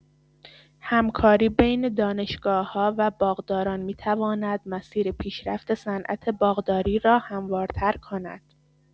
همکاری بین دانشگاه‌‌ها و باغداران می‌تواند مسیر پیشرفت صنعت باغداری را هموارتر کند.